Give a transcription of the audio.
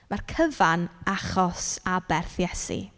Ma'r cyfan achos aberth Iesu.